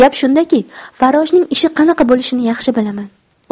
gap shundaki farroshning ishi qanaqa bo'lishini yaxshi bilaman